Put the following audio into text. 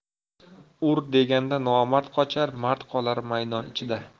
ur deganda nomard qochar mard qolar maydon ichida